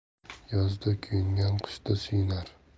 yozda kuyungan qishda suyunar